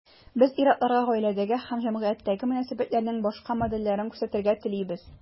Без ир-атларга гаиләдәге һәм җәмгыятьтәге мөнәсәбәтләрнең башка модельләрен күрсәтергә телибез.